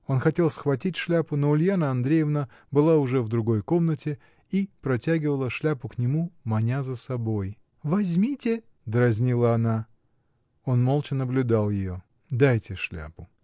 Он хотел схватить шляпу, но Ульяна Андреевна была уже в другой комнате и протягивала шляпу к нему, маня за собой. — Возьмите! — дразнила она. Он молча наблюдал ее. — Дайте шляпу!